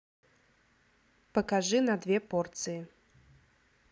покажи на две порции